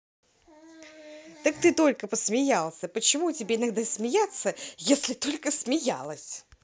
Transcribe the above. так ты только посмеялся почему тебя иногда смеяться если только что смеялась